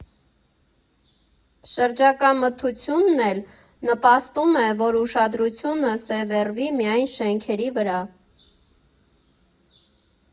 Շրջակա մթությունն էլ նպաստում է, որ ուշադրությունը սևեռվի միայն շենքերի վրա։